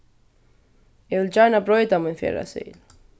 eg vil gjarna broyta mín ferðaseðil